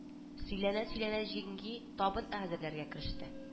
Сөйләнә-сөйләнә җиңги табын хәзерләргә кереште